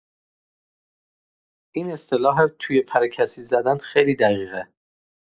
این اصطلاح «توی پر کسی زدن» خیلی دقیقه.